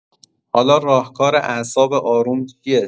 حالا راهکار اعصاب آروم چیه؟